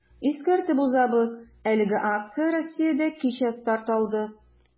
Искәртеп узабыз, әлеге акция Россиядә кичә старт алды.